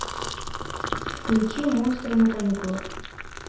включи монстры на каникулах